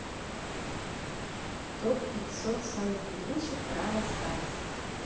топ пятьсот самых лучших бравл старс